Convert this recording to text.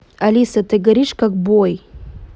алиса ты горишь как boy